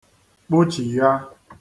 kpuchìgha